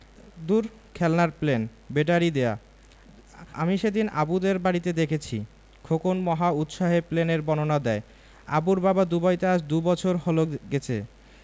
দূর খেলনার plane battery দেয়া আমি সেদিন আবুদের বাড়িতে দেখেছি খোকন মহা উৎসাহে প্লেনের বর্ণনা দেয় আবুর বাবা দুবাইতে আজ দুবছর হলো গেছে